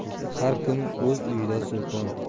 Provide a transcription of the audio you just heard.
har kim o'z uyida sulton